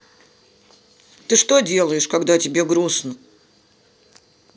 ты что делаешь когда тебе грустно